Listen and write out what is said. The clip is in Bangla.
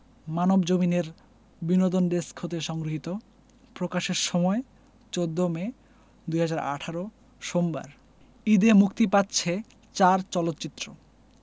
মানবজমিন এর বিনোদন ডেস্ক হতে সংগৃহীত প্রকাশের সময় ১৪ মে ২০১৮ সোমবার ঈদে মুক্তি পাচ্ছে চার চলচ্চিত্র